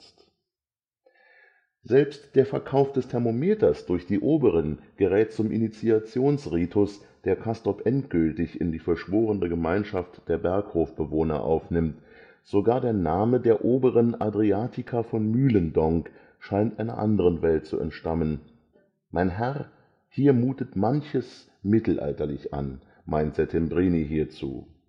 Selbst der Verkauf des Thermometers durch die Oberin gerät zum Initiationsritus, der Castorp endgültig in die verschworene Gemeinschaft der Berghof-Bewohner aufnimmt. Sogar der Name der Oberin Adriatica von Mylendonk scheint einer anderen Welt zu entstammen. „ Mein Herr, hier mutet Manches mittelalterlich an. “, meint Settembrini hierzu